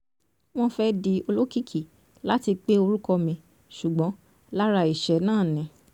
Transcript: Wọn fẹ di olokiki lati pe orukọ mi, ṣugbọn lara iṣẹ naa ni.